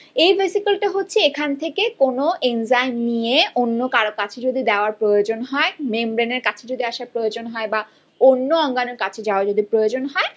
এই ভেসিকল টা হচ্ছে এখান থেকে কোন এনজাইম নিয়ে অন্য কারো কাছে যদি দেয়ার প্রয়োজন হয় মেমব্রেন এর কাছে যদি আসার প্রয়োজন হয় বা অন্য অঙ্গানুর কাছে যাওয়ার যদি প্রয়োজন হয়